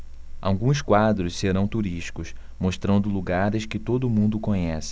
alguns quadros serão turísticos mostrando lugares que todo mundo conhece